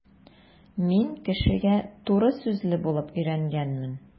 Мин кешегә туры сүзле булып өйрәнгәнмен.